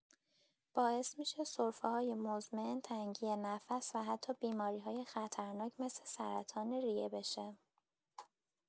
باعث می‌شه سرفه‌های مزمن، تنگی نفس و حتی بیماری‌های خطرناک مثل سرطان ریه بشه.